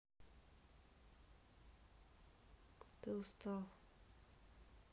ты устал